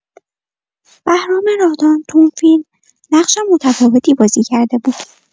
بهرام رادان تو اون فیلم نقش متفاوتی بازی کرده بود.